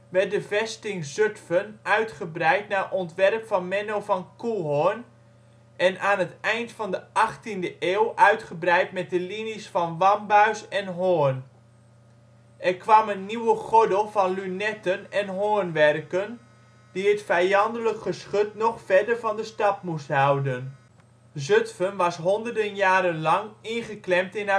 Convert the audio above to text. werd de vesting Zutphen uitgebreid naar ontwerp van Menno van Coehoorn en aan het eind van de 18e eeuw uitgebreid met de linies van Wambuis en Hoorn. Er kwam een nieuwe gordel van lunetten en hoornwerken die het vijandelijk geschut nog verder van de stad moest houden. Zutphen was honderden jaren lang ingeklemd in